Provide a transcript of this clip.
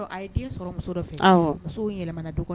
A ye sɔrɔ yɛlɛ